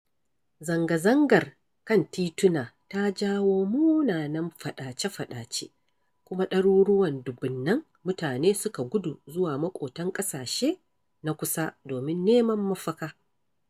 Zanga-zangar kan tituna ta jawo munanan faɗace-faɗace, kuma ɗaruruwan dubunnan mutane suka gudu zuwa maƙotan ƙasashe na kusa domin neman mafaka."